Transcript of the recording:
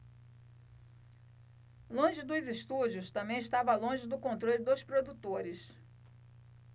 longe dos estúdios também estava longe do controle dos produtores